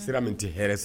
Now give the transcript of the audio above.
Sira min tɛ hɛrɛ sa